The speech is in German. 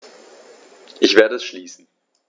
Ich werde es schließen.